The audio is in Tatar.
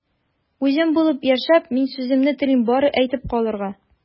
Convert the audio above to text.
Үзем булып яшәп, мин сүземне телим бары әйтеп калырга...